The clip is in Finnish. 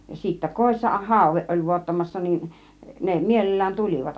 ja sitten kodissa haude oli vuottamassa niin ne mielellään tulivat